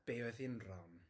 Be oedd un Ron?